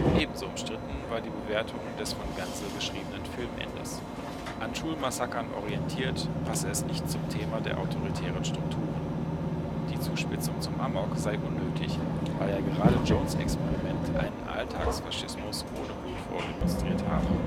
Ebenso umstritten war die Bewertung des von Gansel geschriebenen Filmendes. An Schulmassakern orientiert, passe es nicht zum Thema der autoritären Strukturen. Die Zuspitzung zum Amok sei unnötig, weil ja gerade Jones ' Experiment einen Alltagsfaschismus ohne Blut vordemonstriert habe